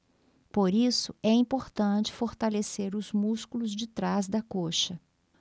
por isso é importante fortalecer os músculos de trás da coxa